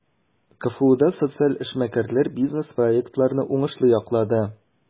КФУда социаль эшмәкәрләр бизнес-проектларны уңышлы яклады.